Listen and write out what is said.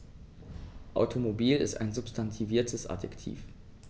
Automobil ist ein substantiviertes Adjektiv.